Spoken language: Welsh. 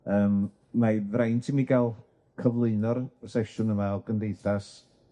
Yym mae fraint i mi ga'l cyflwyno'r sesiwn yma o Gymdeithas